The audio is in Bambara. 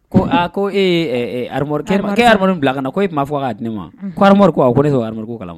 Ko a ko ee hain bila ka na ko e tun ma' fɔ k'a di ne ma kori ko a ko ne se ara amadu kalan